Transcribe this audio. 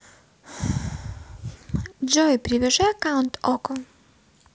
джой привяжи аккаунт okko